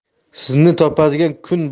sizni topadigan kun